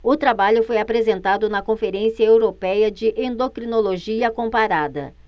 o trabalho foi apresentado na conferência européia de endocrinologia comparada